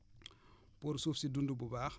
loolu mooy pour suuf si dund bu baax